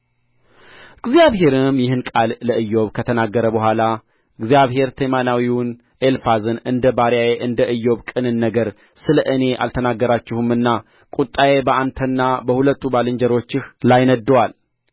እግዚአብሔርም ይህን ቃል ለኢዮብ ከተናገረ በኋላ እግዚአብሔር ቴማናዊውን ኤልፋዝን እንደ ባሪያዬ እንደ ኢዮብ ቅንን ነገር ስለ እኔ አልተናገራችሁምና ቍጣዬ በአንተና በሁለቱ ባልንጀሮችህ ላይ ነድዶአል